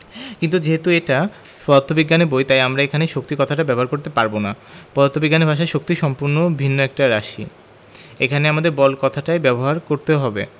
কিন্তু যেহেতু এটা পদার্থবিজ্ঞানের বই তাই আমরা এখানে শক্তি কথাটা ব্যবহার করতে পারব না পদার্থবিজ্ঞানের ভাষায় শক্তি সম্পূর্ণ ভিন্ন একটা রাশি এখানে আমাদের বল কথাটাই ব্যবহার করতে হবে